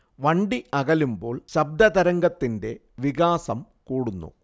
വണ്ടി അകലുമ്പോൾ ശബ്ദതരംഗത്തിന്റെ വികാസം കൂടുന്നു